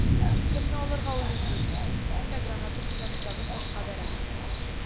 Кемне алырга уйлыйсыз!» — дим дә гранатамны янымдагы ташка бәрәм